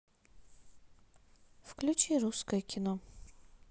включи русское кино